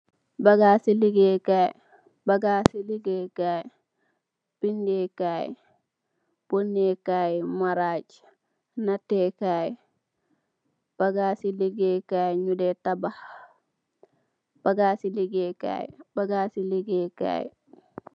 Bagaas i ligeeyee KAAY, Bagaas i ligeeyee KAAY, natee kaay, Bagaassi ligeeyee KAAY, ñu Dee tabax, bagaas i ligeeyee KAAY